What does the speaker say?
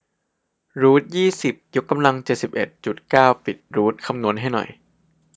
รูทยี่สิบยกกำลังเจ็ดสิบเอ็ดจุดเก้าปิดรูทคำนวณให้หน่อย